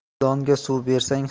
ilonga suv bersang